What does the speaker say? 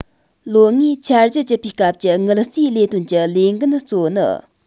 ལོ ལྔའི འཆར གཞི བཅུ པའི སྐབས ཀྱི དངུལ རྩའི ལས དོན གྱི ལས འགན གཙོ བོ ནི